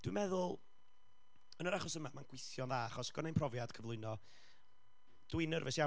dwi'n meddwl, yn yr achos yma, ma'n gweithio'n dda, achos oedd gynna i'm profiad cyflwyno, dwi'n nerfus iawn.